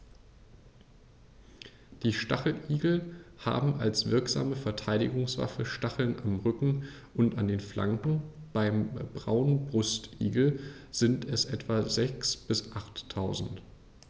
Die Stacheligel haben als wirksame Verteidigungswaffe Stacheln am Rücken und an den Flanken (beim Braunbrustigel sind es etwa sechs- bis achttausend).